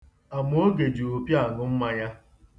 Amaoge ji ụpịọ aṅụ mmanya.